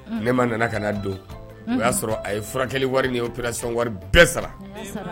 Nɛma nana ka na don, o y'a sɔrɔ a ye furakɛli wari ni ye opération wari bɛɛ sara